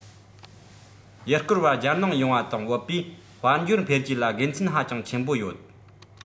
ཡུལ སྐོར བ རྒྱལ ནང ཡོང བ དང བུད པས དཔལ འབྱོར འཕེལ རྒྱས ལ དགེ མཚན ཧ ཅང ཆེན པོ ཡོད